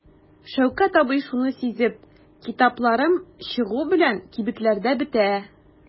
Шәүкәт абый шуны сизеп: "Китапларым чыгу белән кибетләрдә бетә".